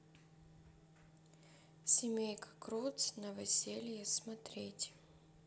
семейка крудс новоселье смотреть